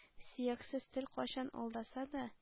Сөяксез тел кайчак алдаса да,